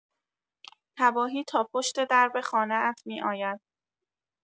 تباهی تا پشت درب خانه‌ات می‌آید